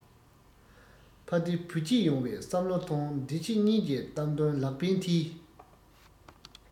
ཕ བདེ བུ སྐྱིད ཡོང བའི བསམ བློ ཐོང འདི ཕྱི གཉིས ཀྱི གཏམ དོན ལག པའི མཐིལ